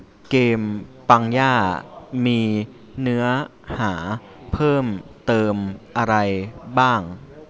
เกมปังย่ามีเนื้อหาเพิ่มเติมอะไรบ้าง